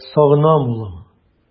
Сагынам, улым!